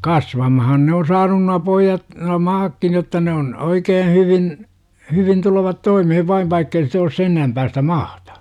kasvamaan ne on saanut nuo pojat nuo maatkin jotta ne on oikein hyvin hyvin tulevat toimeen vain vaikka ei sitä ole sen enempää sitä maata